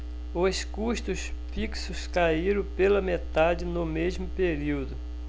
os custos fixos caíram pela metade no mesmo período